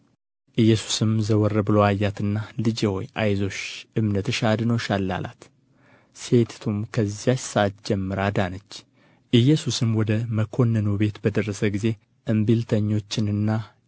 ኢየሱስም ዘወር ብሎ አያትና ልጄ ሆይ አይዞሽ እምነትሽ አድኖሻል አላት ሴቲቱም ከዚያች ሰዓት ጀምራ ዳነች ኢየሱስም ወደ መኰንኑ ቤት በደረሰ ጊዜ እምቢልተኞችንና